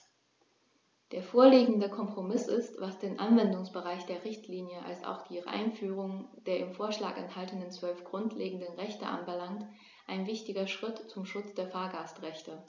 Der vorliegende Kompromiss ist, was den Anwendungsbereich der Richtlinie als auch die Einführung der im Vorschlag enthaltenen 12 grundlegenden Rechte anbelangt, ein wichtiger Schritt zum Schutz der Fahrgastrechte.